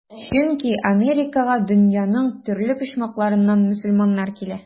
Чөнки Америкага дөньяның төрле почмакларыннан мөселманнар килә.